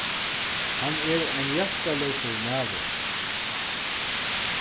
hann er ein hjartaleysur maður